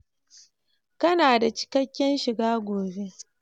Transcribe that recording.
Kana da cikaken shiga gobe.